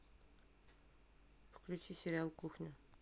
включи сериал кухня